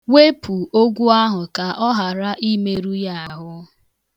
Wepụ ogwu ahụ ka ọ ghara imeru ya ahụ.